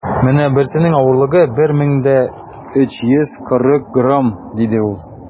- менә берсенең авырлыгы 1340 грамм, - диде ул.